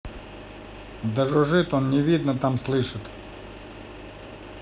да жужжит он не видно там слышит